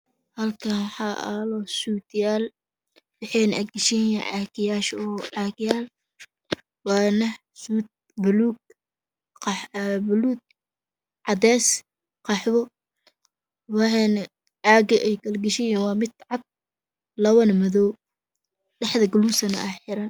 Halkaan waxaa Aalo shaatiyaal waxay agdesanyihiin caadso oo caadyaal waana shuud buluug khah aa cadeys, khahwo waxayna aada ay kala dasasan yihiin waa mid cad ah labada madow dhexda dalluusan ah xeran.